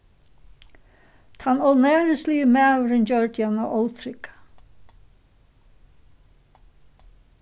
tann ónærisligi maðurin gjørdi hana ótrygga